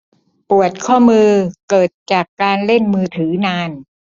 ปวดข้อมือเกิดจากการเล่นมือถือนาน